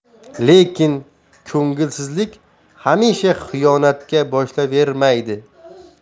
lekin ko'ngilsizlik hamisha xiyonatga boshlayvermaydi